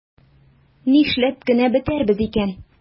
Нишләп кенә бетәрбез икән?